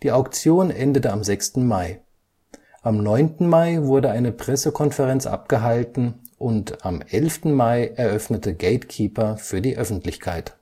Auktion endete am 6. Mai. Am 9. Mai wurde eine Pressekonferenz abgehalten und am 11. Mai eröffnete GateKeeper für die Öffentlichkeit